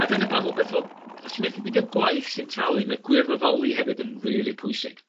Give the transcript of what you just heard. a dyna pam wbeth fel os ti methu findio gwaith sy'n talu mae gwirfoddoli hefyd yn rili pwysig.